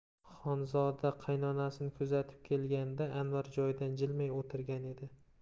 xonzoda qaynonasini kuzatib kelganida anvar joyidan jilmay o'tirgan edi